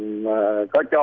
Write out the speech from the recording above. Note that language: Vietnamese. mà có cho